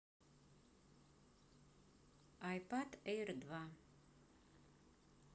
ipad air два